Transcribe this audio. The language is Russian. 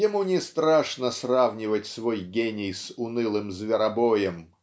Ему не страшно сравнивать свой гений с унылым зверобоем